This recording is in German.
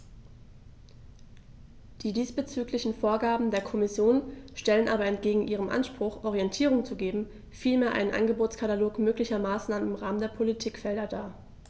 Die diesbezüglichen Vorgaben der Kommission stellen aber entgegen ihrem Anspruch, Orientierung zu geben, vielmehr einen Angebotskatalog möglicher Maßnahmen im Rahmen der Politikfelder dar.